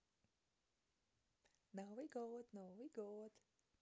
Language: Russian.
новый год новый год